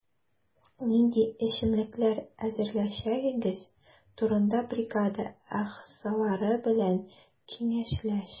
Нинди эчемлекләр әзерләячәгегез турында бригада әгъзалары белән киңәшләш.